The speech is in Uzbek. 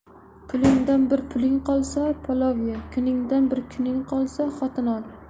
pulingdan bir puling qolsa palov ye kuningdan bir kuning qolsa xotin ol